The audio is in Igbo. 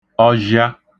ọzhịa